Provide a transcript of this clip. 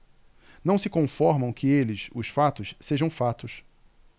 não se conformam que eles os fatos sejam fatos